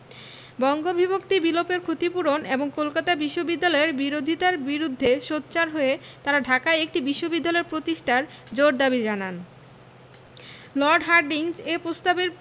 বঙ্গবিভক্তি বিলোপের ক্ষতিপূরণ এবং কলকাতা বিশ্ববিদ্যালয়ের বিরোধিতার বিরুদ্ধে সোচ্চার হয়ে তারা ঢাকায় একটি বিশ্ববিদ্যালয় প্রতিষ্ঠার জোর দাবি জানান লর্ড হার্ডিঞ্জ এ প্রস্তাবের